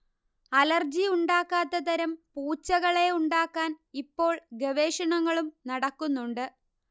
allergy ഉണ്ടാക്കാത്തതരം പൂച്ചകളെ ഉണ്ടാക്കാൻ ഇപ്പോൾ ഗവേഷണങ്ങളും നടക്കുന്നുണ്ട്